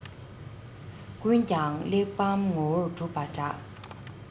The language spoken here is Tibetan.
ཀུན ཀྱང གླེགས བམ ངོ བོར གྲུབ པ འདྲ